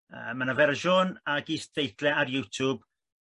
yy ma' 'na fersiwn ag isteitle ar YouTube